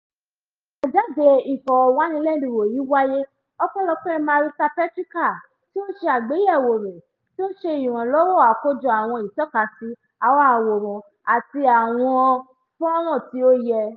Àtẹ̀jáde ìfọ̀rọ̀wánilẹ́nuwò yìí wáyé ọpẹ́lọpẹ́ Marisa Petricca, tí ó ṣe àyẹ̀wò rẹ̀, tí ó sì ṣe ìrànlọ́wọ́ àkójọ àwọn ìtọ́kasí, àwọn àwòrán àti a fọ́nràn tí ó yẹ.